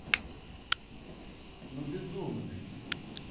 ну безумный